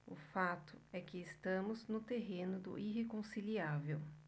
o fato é que estamos no terreno do irreconciliável